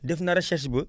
def na recherche ba